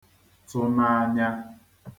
-tụnanya